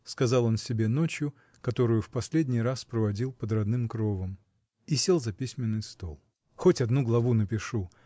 — сказал он себе ночью, которую в последний раз проводил под родным кровом, — и сел за письменный стол. — Хоть одну главу напишу!